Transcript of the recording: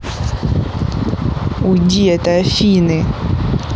уйди это афины